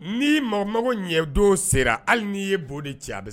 Ni mɔgɔ mako ɲɛdon sera hali n'i ye bo de cɛ a bɛ